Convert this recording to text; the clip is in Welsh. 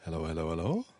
Helo helo helo.